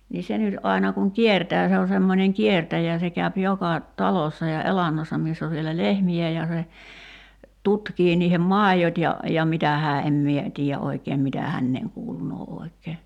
niin se nyt aina kun kiertää se on semmoinen kiertäjä se käy joka talossa ja elannossa missä on vielä lehmiä ja se tutkii niiden maidot ja ja mitä hän en minä tiedä oikein mitä häneen kuulunee oikein